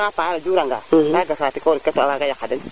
xota nga a paana le o jura nga na gefa tikorik ke to a waga yaqa den